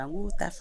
A k'u ta